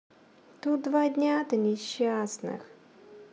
тут два дня то несчастных